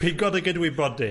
Pigo dy gydwybod di?